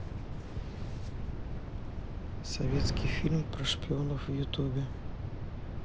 советский фильм про шпионов в ютубе